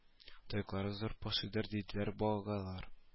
Тояклары зур пошидыр диделәр багалар